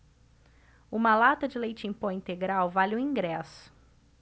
uma lata de leite em pó integral vale um ingresso